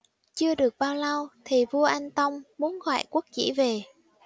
chưa được bao lâu thì vua anh tông muốn gọi quốc dĩ về